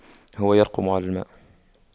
هو يرقم على الماء